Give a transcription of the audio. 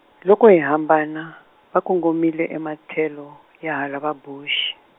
loko hi hambana, va kongomile ematlhelo, ya hala vaBuxi.